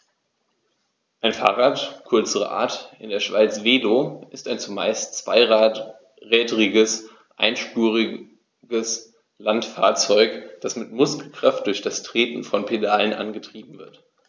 Ein Fahrrad, kurz Rad, in der Schweiz Velo, ist ein zumeist zweirädriges einspuriges Landfahrzeug, das mit Muskelkraft durch das Treten von Pedalen angetrieben wird.